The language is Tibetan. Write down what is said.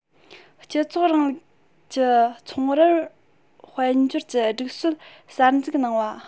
སྤྱི ཚོགས རིང ལུགས ཀྱི ཚོང རའི དཔལ འབྱོར གྱི སྒྲིག སྲོལ གསར འཛུགས གནང བ